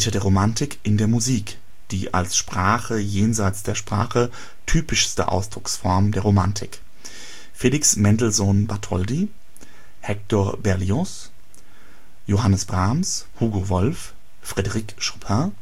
der Romantik Musik (die als „ Sprache jenseits der Sprache “typischste Ausdrucksform der Romantik) Felix Mendelssohn Bartholdy, Hector Berlioz, Johannes Brahms, Hugo Wolf, Frédéric Chopin, Edvard